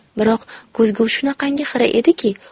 biroq ko'zgu shunaqangi xira ediki